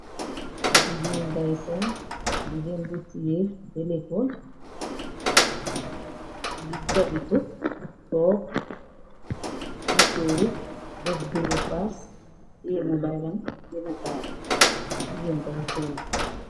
Jigéen butiyee telefon gi dagilu took mu sóoru def girefas teemu baylan dinataale jiggéen day seen.